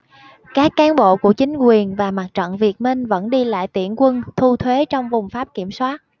các cán bộ của chính quyền và mặt trận việt minh vẫn đi lại tuyển quân thu thuế trong vùng pháp kiểm soát